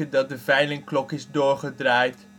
dat de veilingklok is doorgedraaid